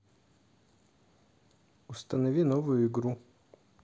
установи новую игру